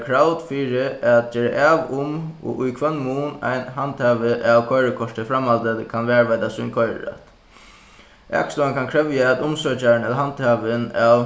kravd fyri at gera av um og í hvønn mun ein handhavi av koyrikorti framhaldandi kann varðveita sín koyrirætt akstovan kann krevja at umsøkjarin ella handhavin av